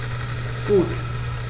Gut.